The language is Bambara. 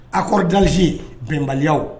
Accorde d' Alge bɛnbaliyaw